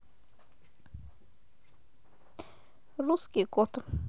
русский кот